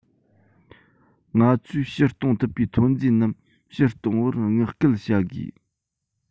ང ཚོས ཕྱིར གཏོང ཐུབ པའི ཐོན རྫས རྣམས ཕྱིར གཏོང བར བསྔགས སྐུལ བྱ དགོས